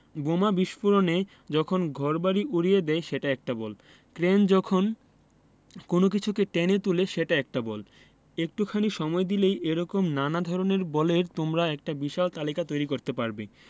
বোমা বিস্ফোরণে যখন ঘরবাড়ি উড়িয়ে দেয় সেটা একটা বল ক্রেন যখন কোনো কিছুকে টেনে তুলে সেটা একটা বল একটুখানি সময় দিলেই এ রকম নানা ধরনের বলের তোমরা একটা বিশাল তালিকা তৈরি করতে পারবে